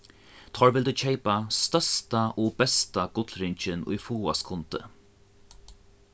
teir vildu keypa størsta og besta gullringin ið fáast kundi